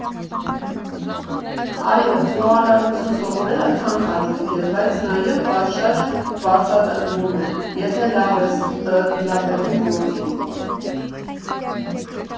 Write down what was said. Այո, խոհարարություն սովորելը թանկ հաճույք է, բայց նաև պատշաճ վարձատրվում է, եթե լավ ես տիրապետում գործիդ։